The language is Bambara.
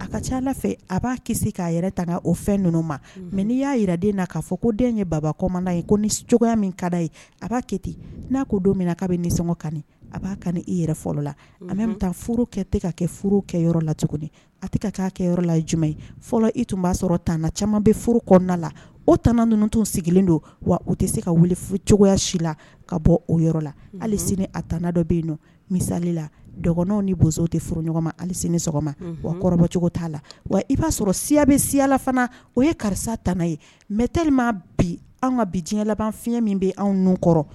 A ka ca fɛ a b'a kisi k'a yɛrɛ tan o fɛ ninnu ma mɛ n'i y'a jira den na k'a fɔ ko den ye babakma ye ko ni cogoya min ka ye a b'a kɛ n'a ko don minna k'a bɛ ni nisɔngɔ kan a b'a ka i yɛrɛ fɔlɔ la a bɛ taa furu kɛ se ka kɛ furu kɛ yɔrɔ la cogo a tɛ ka'a kɛ yɔrɔ la juma ye fɔlɔ i tun b'a sɔrɔ tanana caman bɛ furu kɔnɔna la o t ninnutɔn sigilen don wa u tɛ se ka wuli cogoyaya si la ka bɔ o yɔrɔ la hali sini a tanana dɔ bɛ yen nɔ misali la dɔgɔninw ni bozo tɛ foro ɲɔgɔn ma hali sɔgɔma wa kɔrɔcogo t'a la wa i b'a sɔrɔ siya bɛ siyalafana o ye karisa tanana ye mɛtɛelima bi an ka bi diɲɛ laban fiɲɛ min bɛ anw ninnu kɔrɔ